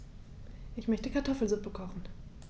Ich möchte Kartoffelsuppe kochen.